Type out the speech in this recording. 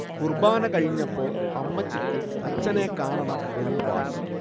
കുർബ്ബാന കഴിഞ്ഞപ്പോ അമ്മച്ചിക്ക് അച്ചനെ കാണണം എന്ന് വാശി